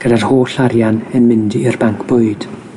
gyda'r holl arian yn mynd i'r banc bwyd.